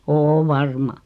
on varma